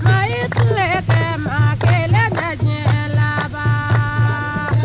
maa y'i tile kɛ maa kelen tɛ diɲɛ laban